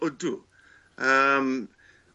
Odw. Yym.